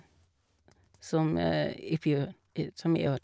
som i fjor Som i år.